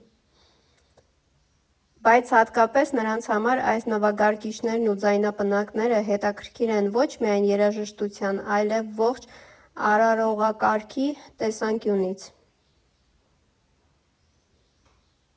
Բայց հատկապես նրանց համար այս նվագարկիչներն ու ձայնապնակները հետաքրքիր են ոչ միայն երաժշտության, այլև ողջ արարողակարգի տեսանկյունից։